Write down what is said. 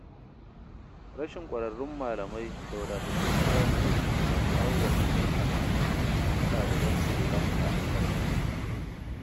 Rashin ƙwararrun malamai da wadatattun kayan aiki na kawo wa kaso 80% na ɗaliban Sri Lanka tarnaƙi.